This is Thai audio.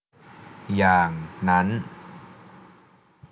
อย่างนั้น